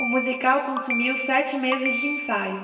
o musical consumiu sete meses de ensaio